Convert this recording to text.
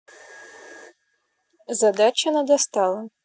задача на достала